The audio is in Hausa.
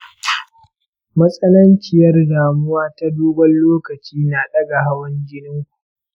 matsanaciyar damuwa ta dogon lokaci na ɗaga hawan jininku